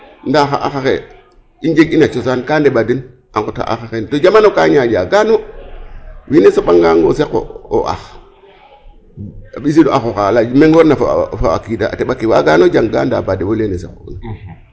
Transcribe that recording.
Ndaa xa ax axa i njeg'ina coosan kaa ɗeɓa den a nqooxaa ax ake den to jamano kaa ñaƴaa ka nu wiin we saqangan o saq o ax ɓisiid ax oxa mengor na fo a qiid a teƥ ake waagan o jang daal ndaa bo deɓo lene saqoona .